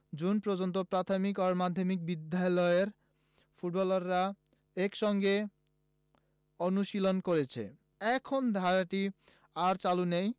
June পর্যন্ত প্রাথমিক ও মাধ্যমিক বিদ্যালয়ের ফুটবলাররা একসঙ্গে অনুশীলন করেছে এখন ধারাটি আর চালু নেই